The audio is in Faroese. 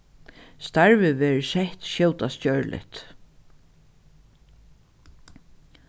starvið verður sett skjótast gjørligt